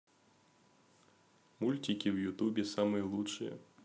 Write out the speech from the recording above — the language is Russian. мультики в ютубе самые лучшие